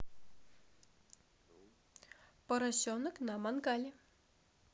поросенок на мангале